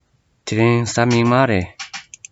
དེ རིང གཟའ མིག དམར རེད